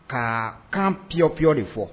Ka kan pyɔpiye de fɔ